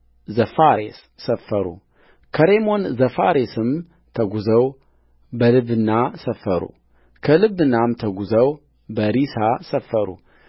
ዘፋሬስ ሰፈሩከሬሞን ዘፋሬስም ተጕዘው በልብና ሰፈሩከልብናም ተጕዘው በሪሳ ሰፈሩ